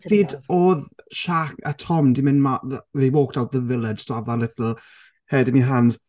Pryd oedd Shaq a Tom 'di mynd ma- they walked out the villa just to have that little, head in your hands.